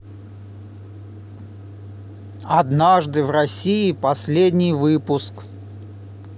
однажды в россии последний выпуск